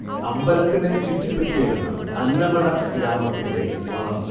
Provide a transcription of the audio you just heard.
അമ്പലത്തിനെ ചുറ്റിപ്പറ്റിയാണു അന്നമട ഗ്രാമത്തിന്റെ വളർച്ച